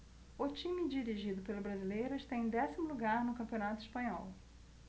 o time dirigido pelo brasileiro está em décimo lugar no campeonato espanhol